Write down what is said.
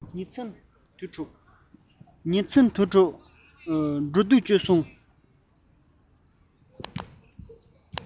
ཉིན མཚན དུས དྲུག འགྲོ འདུག སྤྱོད གསུམ